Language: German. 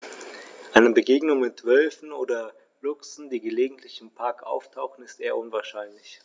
Eine Begegnung mit Wölfen oder Luchsen, die gelegentlich im Park auftauchen, ist eher unwahrscheinlich.